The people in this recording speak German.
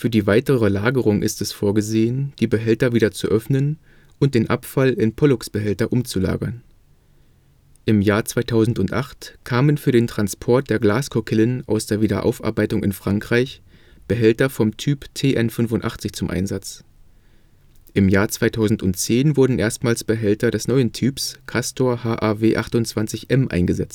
die weitere Lagerung ist es (Stand 2003) vorgesehen, die Behälter wieder zu öffnen und den Abfall in Pollux-Behälter umzulagern. Im Jahr 2008 kamen für den Transport der Glaskokillen aus der Wiederaufarbeitung in Frankreich Behälter vom Typ TN 85 zum Einsatz. Im Jahr 2010 wurden erstmals Behälter des neuen Typs CASTOR HAW28M eingesetzt. Diese